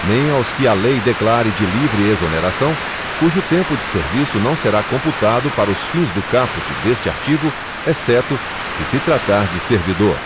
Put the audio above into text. nem aos que a lei declare de livre exoneração cujo tempo de serviço não será computado para os fins do caput deste artigo exceto se se tratar de servidor